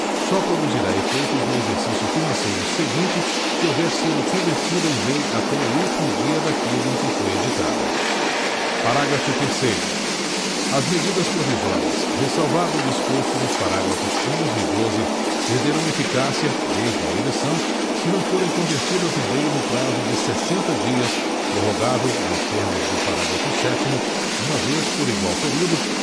só produzirá efeitos no exercício financeiro seguinte se houver sido convertida em lei até o último dia daquele em que foi editada parágrafo terceiro as medidas provisórias ressalvado o disposto nos parágrafo onze e doze perderão eficácia desde a edição se não forem convertidas em lei no prazo de sessenta dias prorrogável nos termos do parágrafo sétimo uma vez por igual período